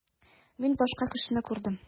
Мин башка кешене күрдем.